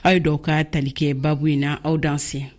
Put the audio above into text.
a' ye don ka tali kɛ baabu in na aw danse